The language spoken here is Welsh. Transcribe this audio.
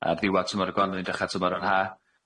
ar diwadd tymor y Gwanwyn dechra tymor yr Ha.